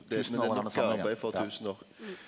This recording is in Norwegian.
nok arbeid for 1000 år.